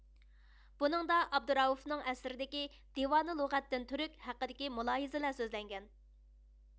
بۇنىڭدا ئابدۇرائۇفنىڭ ئەسىرىدىكى دىۋانۇ لۇغەتىن تۈرك ھەققىدىكى مۇلاھىزىلەر سۆزلەنگەن